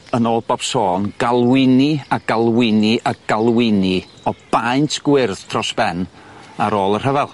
yn ôl bob sôn galwini a galwini a galwini o baent gwyrdd dros ben ar ôl y rhyfyl.